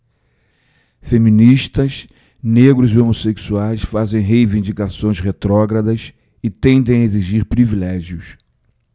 feministas negros e homossexuais fazem reivindicações retrógradas e tendem a exigir privilégios